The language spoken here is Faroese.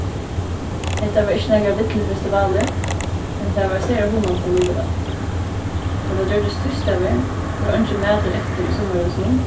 hetta var ikki nakar villur festivalur men tað var sera hugnaligt allíkavæl tá tað gjørdist týsdagur var eingin matur eftir í summarhúsinum